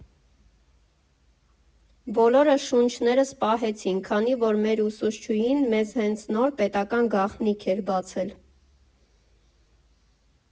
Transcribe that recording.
Բոլորս շունչներս պահեցինք, քանի որ մեր ուսուցչուհին մեզ հենց նոր պետական գաղտնիք էր բացել։